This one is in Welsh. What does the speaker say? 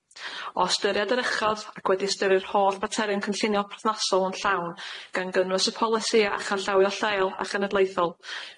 O ystyried yr uchodd ac wedi ystyri yr holl baterion cynllunio perthnasol yn llawn, gan gynnwys y polisia a chanllawio lleol a chenedlaethol.